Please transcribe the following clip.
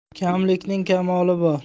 kamlikning kamoli bor